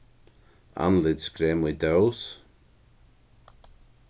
andlitskrem í dós